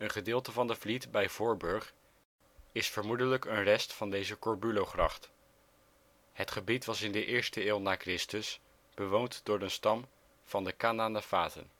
gedeelte van de Vliet bij Voorburg is vermoedelijk een rest van deze Corbulogracht. Het gebied was in de eerste eeuw na Chr. bewoond door de stam van de Cananefaten